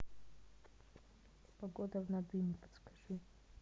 погода в надыме подскажи